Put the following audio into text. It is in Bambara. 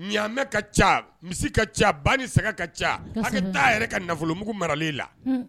Miaamɛ ka ca misi ka ca ba ni sɛgɛ ka ca a ka taa yɛrɛ ka nafolomugu maralen la